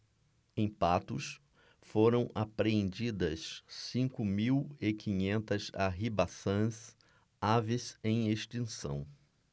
em patos foram apreendidas cinco mil e quinhentas arribaçãs aves em extinção